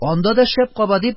Анда да шәп каба, - дип,